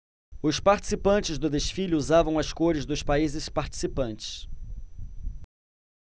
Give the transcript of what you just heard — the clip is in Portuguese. os participantes do desfile usavam as cores dos países participantes